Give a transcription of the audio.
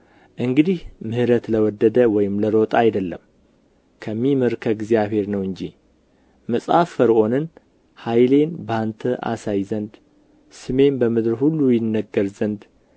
እንግዲህ ምሕረት ለወደደ ወይም ለሮጠ አይደለም ከሚምር ከእግዚአብሔር ነው እንጂ መጽሐፍ ፈርዖንን ኃይሌን በአንተ አሳይ ዘንድ ስሜም በምድር ሁሉ ይነገር ዘንድ